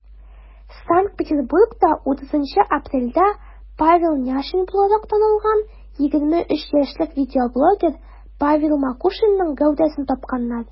Санкт-Петербургта 30 апрельдә Павел Няшин буларак танылган 23 яшьлек видеоблогер Павел Макушинның гәүдәсен тапканнар.